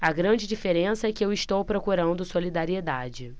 a grande diferença é que eu estou procurando solidariedade